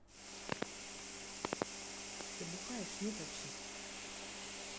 ты бухаешь нет вообще